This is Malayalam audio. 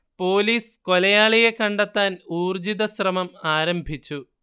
പോലീസ് കൊലയാളിയെ കണ്ടെത്താൻ ഊർജ്ജിത ശ്രമം ആരംഭിച്ചു